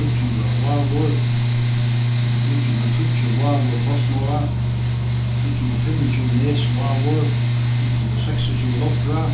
níggju hundrað vágur níggju hundrað og tíggju vágur postsmoga níggju hundrað og fimmogtjúgu nes vágur níggju hundrað og seksogtjúgu lopra